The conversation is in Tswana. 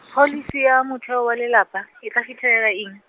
pholisi ya motheo wa lelapa , e tla fitlhelela eng?